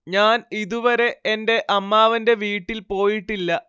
ഞാൻ ഇതുവരെ എന്റെ അമ്മാവന്റെ വീട്ടിൽ പോയിട്ടില്ല